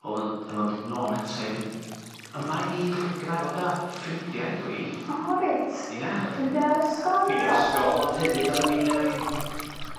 o'dd yn yn ddod nôl ata i 'lly. Yma i gyfarfod â ffrindia dw i. O reit. Ia. Ffrindia ysgol 'ta... Ffrindia ysgol ond hefyd oddan ni'n yym